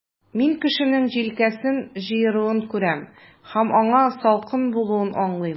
Мин кешенең җилкәсен җыеруын күрәм, һәм аңа салкын булуын аңлыйм.